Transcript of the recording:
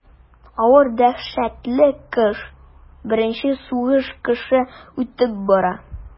Авыр дәһшәтле кыш, беренче сугыш кышы үтеп бара.